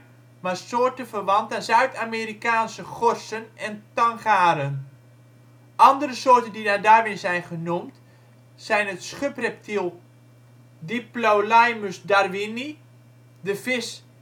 soorten verwant aan Zuid-Amerikaanse gorzen en tangaren. Andere soorten die naar Darwin zijn genoemd zijn het schubreptiel Diplolaemus darwinii, de vis Semicossyphus